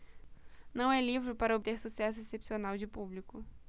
não é livro para obter sucesso excepcional de público